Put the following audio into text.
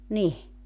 niin